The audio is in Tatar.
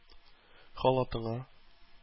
Халатыңа